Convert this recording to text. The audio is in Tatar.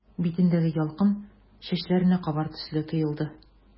Битендәге ялкын чәчләренә кабар төсле тоелды.